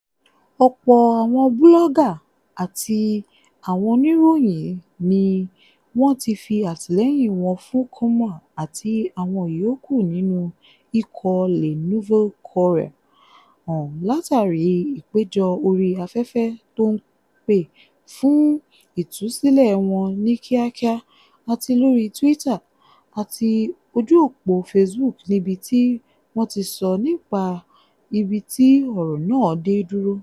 Ọ̀pọ̀ àwọn búlọ́gà àti àwọn Oníròyìn ni wọn ti fi àtìlẹyìn wọn fún Kouamouo àti àwọn yòókù nínú ikọ̀ Lè Nouveau Courtier hàn látàrí ìpẹ̀jọ́ orí afẹ́fẹ́ tó ń pè fún ìtusílẹ̀ wọn ní kíákíá, àti lórí Twitter àti ojú òpó Facebook níbi tí wọ̀n ti sọ nípa ibi tí ọ̀rọ̀ náà dé dúró.